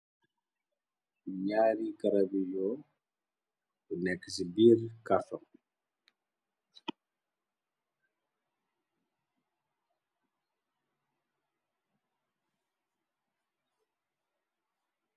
Njaari garabi yoooh yu neka cii birr karton.